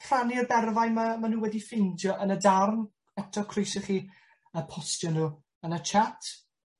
rhannu'r berfau 'ma ma' nw wedi ffindio yn y darn eto croeso chi yy postio nw yn y chat.